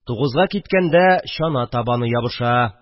Тугызга киткәндә – чана табаны ябыша